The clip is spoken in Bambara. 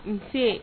Nse.